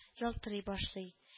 Ялтырый башлый